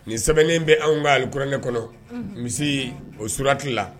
Nin sɛbɛnnen bɛ anw ka alikuranɛ kɔnɔ n bɛ se o suti la